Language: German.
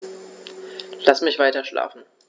Lass mich weiterschlafen.